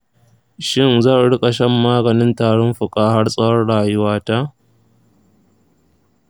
shin zan rika shan maganin tarin fuka har tsawon rayuwata?